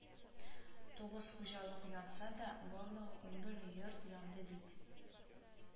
Тугыз хуҗалык янса да, барлыгы унбер йорт янды бит